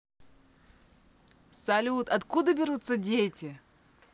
салют откуда берутся дети